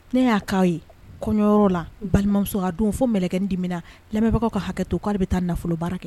Ne y'a'aw ye kɔɲɔyɔrɔ la balimamuso kaa don fo mkɛ dimina lamɛnbagawkaw ka hakɛ to k'ale bɛ taa nafolo baara kɛ